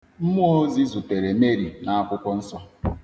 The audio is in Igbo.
Mmụọozi zutere Mary n'akwụkwọ nsọ.